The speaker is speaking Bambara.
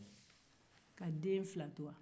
ka den fila to wa